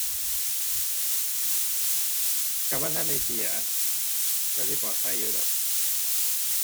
ก็บ่ทันได้เสีย ก็สิปลอดภัยอยู่หรอก